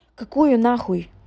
какую нахуй